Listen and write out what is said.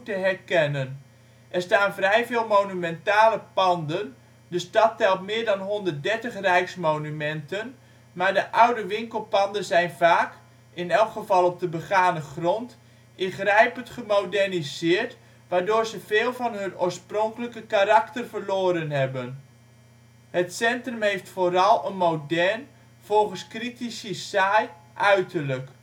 herkennen. Er staan vrij veel monumentale panden - de stad telt meer dan 130 rijksmonumenten -, maar de oude winkelpanden zijn vaak, in elk geval op de begane grond, ingrijpend gemoderniseerd, waardoor ze veel van hun oorspronkelijke karakter verloren hebben. Het centrum heeft vooral een modern, volgens critici saai, uiterlijk